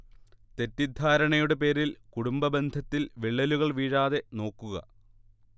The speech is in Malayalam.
തെറ്റിധാരണയുടെ പേരിൽ കുടുംബബന്ധത്തിൽ വിള്ളലുകൾ വീഴാതെ നോക്കുക